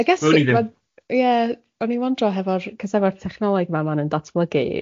I guess... Wn i ddim. ...ie o'n i'n wondero hefo'r, cos hefo'r technoleg ma wan yn datblygu